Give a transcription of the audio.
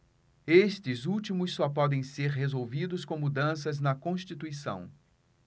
estes últimos só podem ser resolvidos com mudanças na constituição